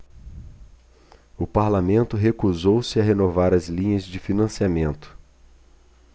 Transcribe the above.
o parlamento recusou-se a renovar as linhas de financiamento